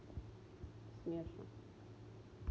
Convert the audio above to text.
смеша